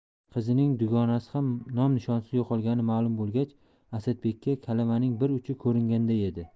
qizining dugonasi ham nom nishonsiz yo'qolgani ma'lum bo'lgach asadbekka kalavaning bir uchi ko'ringanday edi